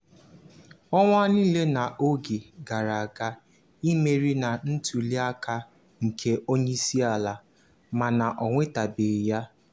Ọ nwaala n'oge gara aga imeri na ntụliaka nke onye isi ala mana o nwetabeghị ya.